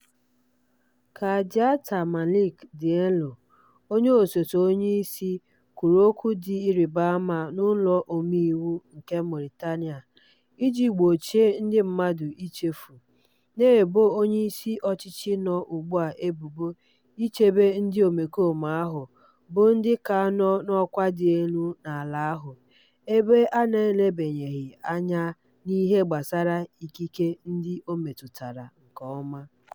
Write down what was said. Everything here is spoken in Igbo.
Kardiata Malick Diallo, onye osote onyeisi, kwuru okwu dị ịrịba ama n'ụlọ omeiwu nke Mauritania iji gbochie ndị mmadụ ichefu, na-ebo onye isi ọchịchị nọ ugbu a ebubo ichebe ndị omekome ahụ, bụ ndị ka nọ n'ọkwa dị elu n'ala ahụ ebe a na-elebanyebeghị anya n'ihe gbasara ikike ndị o metụtara nke ọma: